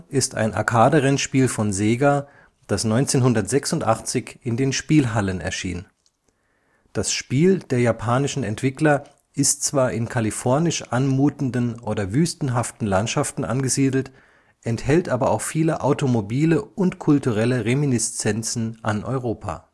ist ein Arcade-Rennspiel von Sega, das 1986 in den Spielhallen erschien. Das Spiel der japanischen Entwickler ist zwar in kalifornisch anmutenden oder wüstenhaften Landschaften angesiedelt, enthält aber auch viele automobile und kulturelle Reminiszenzen an Europa